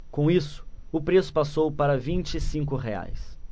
com isso o preço passou para vinte e cinco reais